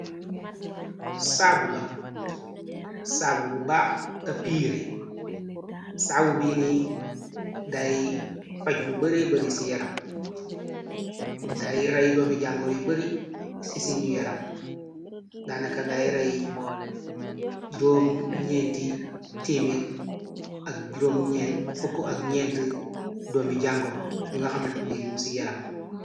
Li Sabu la sabu bu baax tapiire saawu bi ni day faj lu bare bari ci yaram day ray doomi jangoro yu bari ci ci ñu yaram daana ka day ray 44 doomi jangoro yu nga xamantni mu ci yaram